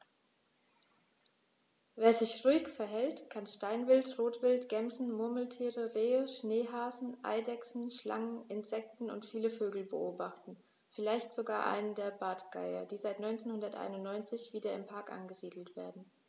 Wer sich ruhig verhält, kann Steinwild, Rotwild, Gämsen, Murmeltiere, Rehe, Schneehasen, Eidechsen, Schlangen, Insekten und viele Vögel beobachten, vielleicht sogar einen der Bartgeier, die seit 1991 wieder im Park angesiedelt werden.